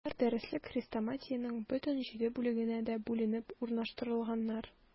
Алар дәреслек-хрестоматиянең бөтен җиде бүлегенә дә бүленеп урнаштырылганнар.